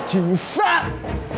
chính xác